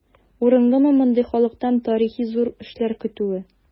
Урынлымы мондый халыктан тарихи зур эшләр көтүе?